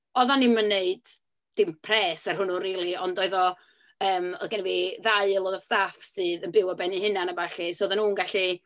Oedden ni'm yn wneud dim pres ar hwnnw rili. Ond oedd o... yym, oedd genna fi ddau aelod o staff sydd yn byw ar ben eu hunain a ballu, so oedden nhw'n gallu